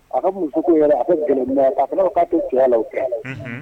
A ka musoko yɛrɛ a ka gɛlɛn mais ka fɔ in'a fɔ k'a te cɛya yɛrɛ la o tɛ unhun